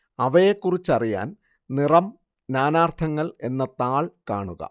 അവയെക്കുറിച്ചറിയാൻ നിറം നാനാർത്ഥങ്ങൾ എന്ന താൾ കാണുക